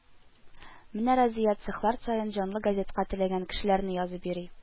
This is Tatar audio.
Менә Разия цехлар саен җанлы газетка теләгән кешеләрне язып йөри